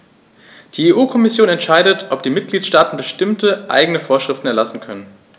Die EU-Kommission entscheidet, ob die Mitgliedstaaten bestimmte eigene Vorschriften erlassen können.